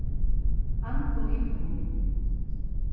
hann kom yvir til mín